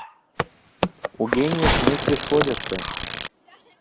у гениев мысли сходятся